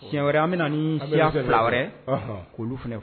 Tiɲɛyɛnɛrɛ an bɛ ni fɛ fila wɛrɛ k'olu fana